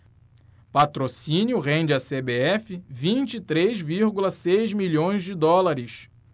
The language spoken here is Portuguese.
patrocínio rende à cbf vinte e três vírgula seis milhões de dólares